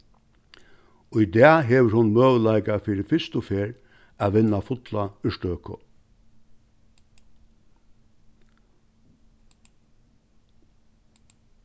í dag hevur hon møguleika fyri fyrstu ferð at vinna fulla úrtøku